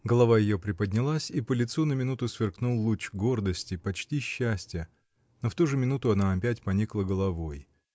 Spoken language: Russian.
Голова ее приподнялась, и по лицу на минуту сверкнул луч гордости, почти счастья, но в ту же минуту она опять поникла головой.